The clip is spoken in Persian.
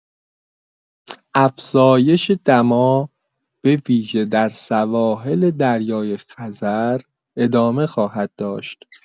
افزایش دما به‌ویژه در سواحل دریای‌خزر ادامه خواهد داشت.